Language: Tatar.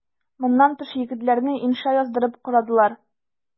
Моннан тыш егетләрне инша яздырып карадылар.